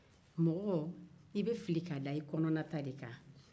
mɔgɔ i bɛ fili ka da i kɔnɔnata de kan